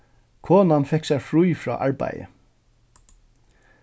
konan fekk sær frí frá arbeiði